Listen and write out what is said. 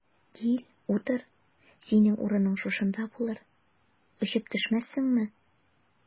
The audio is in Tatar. Кил, утыр, синең урының шушында булыр, очып төшмәссеңме?